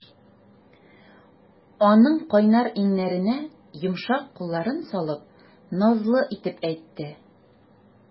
Аның кайнар иңнәренә йомшак кулларын салып, назлы итеп әйтте.